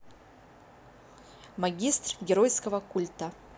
магистр геройского культа